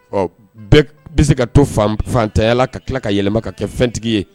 Ɔ bɛɛ bɛ se ka to fan fantanya ka tila ka yɛlɛma ka kɛ fɛntigi ye